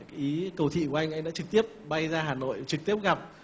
cái ý cầu thị của anh anh đã trực tiếp bay ra hà nội trực tiếp gặp